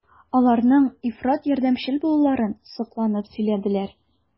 Аларның ифрат ярдәмчел булуларын сокланып сөйләделәр.